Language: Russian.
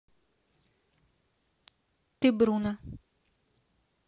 ты бруно